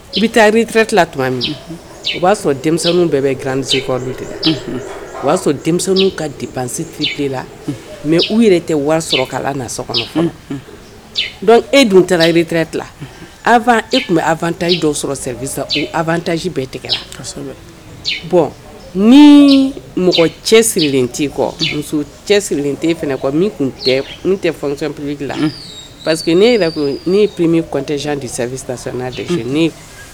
I bɛ taa ki tuma min o b'a sɔrɔ dɛw bɛɛ bɛ garansi o b'a sɔrɔ denmisɛnninw ka di la mɛ u yɛrɛ tɛ wari sɔrɔ k' na so kɔnɔ e dun taarare t e tun bɛ awta dɔ sɔrɔsa ataji bɛɛ tigɛla bɔn ni mɔgɔ cɛ sirilen te kɔ muso cɛ siri t tɛe fana kɔ min tun tɛ n tɛ p la paseke que ne ne ye pmi kɔn tɛ jan di sɛsa n dɛsɛ